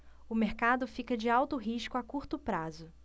o mercado fica de alto risco a curto prazo